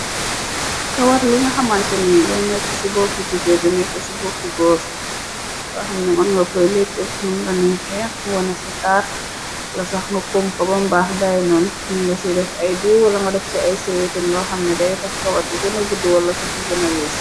Kawar li nga xamante ni day nekk ci boppu jigéen, deneek ci boppu góor, lo xame ni mën nga koy leete num lani xee, mu wene ca taar, walla sax nga koomko bambaax nga bàyynoon, man nga see def ay diwu wala nga def ci ay siretin, lo xam ni day tax kawar gi gëna guddu walla sax na gëna liis.